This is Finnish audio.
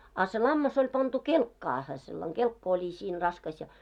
a se lammas oli pantu kelkkaan sellainen kelkka oli siinä raskas ja